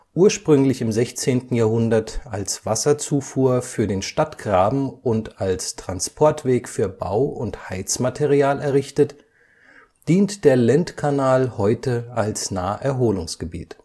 Ursprünglich im 16. Jahrhundert als Wasserzufuhr für den Stadtgraben und als Transportweg für Bau - und Heizmaterial errichtet, dient der Lendkanal heute als Naherholungsgebiet